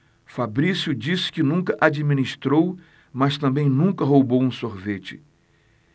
fabrício disse que nunca administrou mas também nunca roubou um sorvete